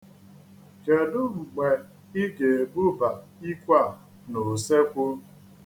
Kedu mgbe ị ga-ebuba ikwe a n'usekwu?